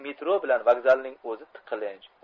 metro bilan vokzalning o'zi tiqilinch